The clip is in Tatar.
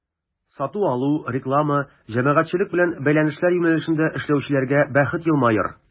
Сату-алу, реклама, җәмәгатьчелек белән бәйләнешләр юнәлешендә эшләүчеләргә бәхет елмаер.